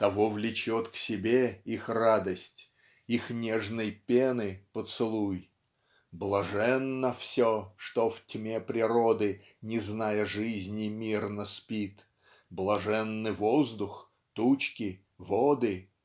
Того влечет к себе их сладость Их нежной пены поцелуй. Блаженно все что в тьме природы Не зная жизни мирно спит -- Блаженны воздух тучи воды